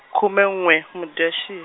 khume n'we , Mudyaxihi.